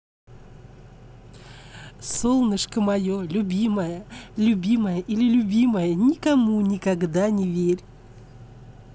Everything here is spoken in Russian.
солнышко мое любимая любимая или любимая никому никогда не верь